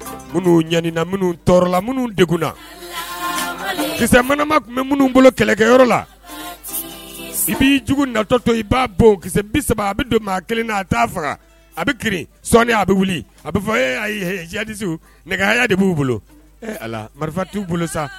Ɲaniina minnu tɔɔrɔla minnu de na kisɛ manama tun bɛ minnu bolo kɛlɛkɛyɔrɔ la i bi jugu natɔtɔ i b'a ki bi saba a bɛ don maa kelen na a' faga a bɛ kiiri sɔ a bɛ wuli a bɛ fɔ e a yedi nɛgɛya de b'u bolo ee a marifa t'u bolo sa